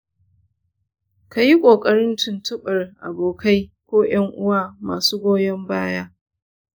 ka yi ƙoƙarin tuntuɓar abokai ko ‘yan uwa masu goyon baya.